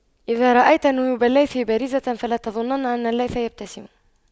إذا رأيت نيوب الليث بارزة فلا تظنن أن الليث يبتسم